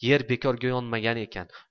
yer bekorga yonmagan ekan